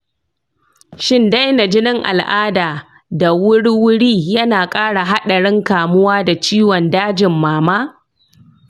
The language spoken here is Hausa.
shin daina jinin al’ada da wuri-wuri yana ƙara haɗarin kamuwa da ciwon dajin mama?